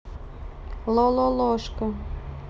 лололошка